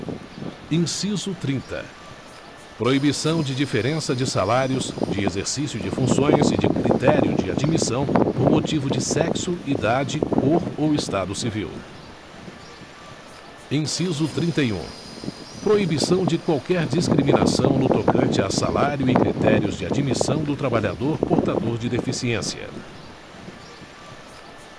inciso trinta proibição de diferença de salários de exercício de funções e de critério de admissão por motivo de sexo idade cor ou estado civil inciso trinta e um proibição de qualquer discriminação no tocante a salário e critérios de admissão do trabalhador portador de deficiência